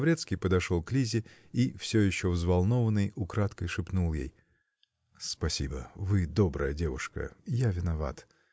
Лаврецкий подошел к Лизе и, все еще взволнованный, украдкой шепнул ей: "Спасибо, вы добрая девушка я виноват.